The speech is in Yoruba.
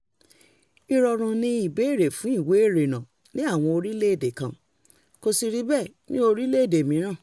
Ìrọ̀rùn ni ìbéèrè fún ìwé ìrìnnà ní àwọn orílẹ̀-èdè kan, kò sì rí bẹ́ẹ̀ ní orílẹ̀-èdè mìíràn.